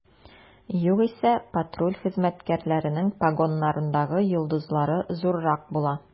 Югыйсә, патруль хезмәткәрләренең погоннарындагы йолдызлар зуррак була.